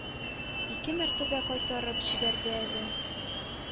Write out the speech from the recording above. Ике мәртәбә кайтарып җибәрде әле.